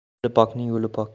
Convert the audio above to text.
dili pokning yo'li pok